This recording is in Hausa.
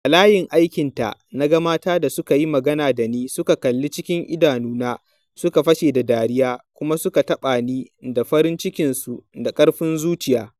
A layin aikinta, na ga mata da suka yi magana da ni, suka kalle cikin idanuna, suka fashe da dariya, kuma suka taɓa ni da farin cikinsu da ƙarfin zuciya.